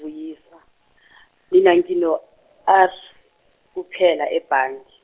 Vuyiswa mina ngino R, kuphela ebhange.